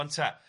Ŵan ta.